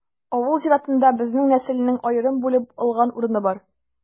Авыл зиратында безнең нәселнең аерым бүлеп алган урыны бар.